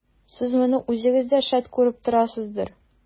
Сез моны үзегез дә, шәт, күреп торасыздыр.